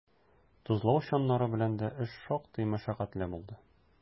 Тозлау чаннары белән дә эш шактый мәшәкатьле булды.